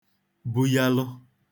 buyalụ